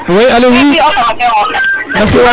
alo oui oui alo nam fio waay